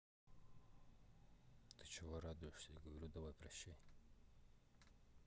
ты чего радуешься я говорю давай прощай